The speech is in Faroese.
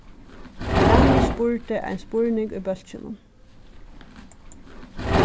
hanus spurdi ein spurning í bólkinum